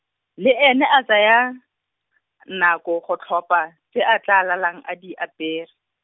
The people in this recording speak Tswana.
le ene a tsaya , nako go tlhopha, tse a tla lalang a di apere.